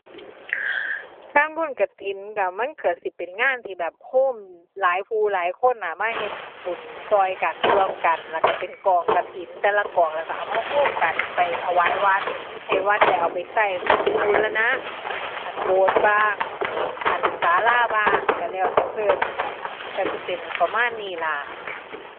งานบุญกฐินก็มันก็สิเป็นงานที่แบบ โฮมหลายผู้หลายคนอะ มาเฮ็ดก็กันร่วมกันแล้วก็เป็นกองกฐิน แต่ละกองแล้วก็เอามาโฮมกันไปถวายวัด ให้วัดได้เอาก็บูรณะ อั่น โบสถ์บ้าง อั่น ศาลาบ้างก็แล้วแต่เพิ่น ก็สิเป็นประมาณนี้ล่ะ